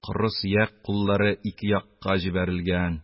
Коры сөяк куллары ике якка җибәрелгән